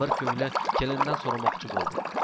bir ko'ngli kelinidan so'ramoqchi bo'ldi